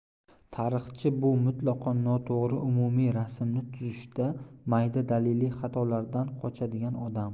tarixchi bu mutlaqo noto'g'ri umumiy rasmni tuzishda mayda daliliy xatolardan qochadigan odam